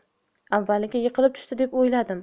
avvaliga yiqilib tushdi deb o'ylagan edim